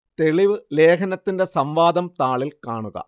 തെളിവ് ലേഖനത്തിന്റെ സംവാദം താളിൽ കാണുക